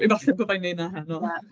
Efallai bydda i'n wneud 'na heno... Ie.